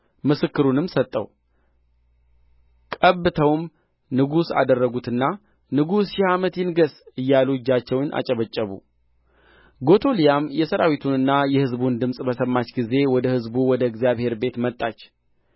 ምስክሩንም ሰጠው ቀብተውም ንጉሥ አደረጉትና ንጉሡ ሺህ ዓመት ይንገሥ እያሉ እጃቸውን አጨበጨቡ ጎቶልያም የሠራዊቱንና የሕዝቡን ድምፅ በሰማች ጊዜ ወደ ሕዝቡ ወደ እግዚአብሔር ቤት መጣች